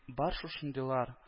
Бар шушындыйлар –